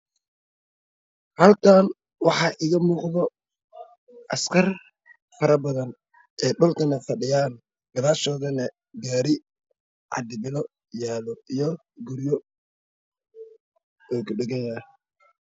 Halkaan waxaa iiga muuqdo askar fara badan ee dhulkana fadhiyaan gadaashoodana gaari cabdi bilo yaalo iyo guryo uu ku dhaganyahay